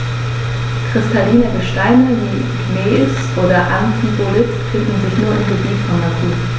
Kristalline Gesteine wie Gneis oder Amphibolit finden sich nur im Gebiet von Macun.